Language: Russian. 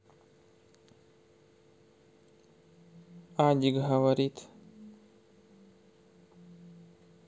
адик говорит